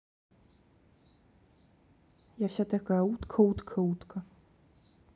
я вся такая утка утка утка